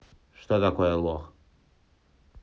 что такое лох